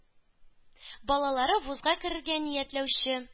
Балалары вузга керергә ниятләүче